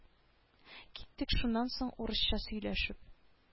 Киттек шуннан соң урысча сөйләшеп